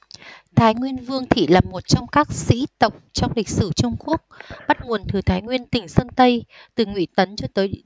thái nguyên vương thị là một trong các sĩ tộc trong lịch sử trung quốc bắt nguồn từ thái nguyên tỉnh sơn tây từ ngụy tấn cho tới